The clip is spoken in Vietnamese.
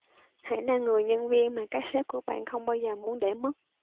hãy là người nhân viên mà các sếp của bạn không bao giờ muốn để mất